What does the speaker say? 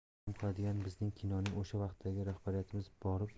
eng alam qiladigani bizning kinoning o'sha vaqtdagi rahbariyatimiz borib